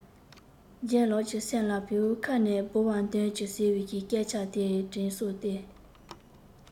ལྗད ལགས ཀྱི སེམས ལ བེའུའི ཁ ནས ལྦུ བ འདོན གྱིས ཟེར བའི སྐད ཆ དེ དྲན གསོས ཏེ